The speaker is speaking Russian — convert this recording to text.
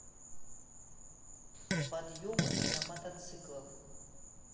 подъемы на мотоциклах